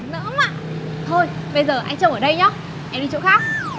nỡm ạ thôi bây giờ anh trông ở đây nhá em đi chỗ khác